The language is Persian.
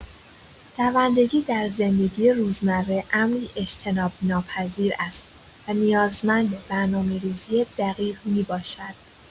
دوندگی در زندگی روزمره امری اجتناب‌ناپذیر است و نیازمند برنامه‌ریزی دقیق می‌باشد.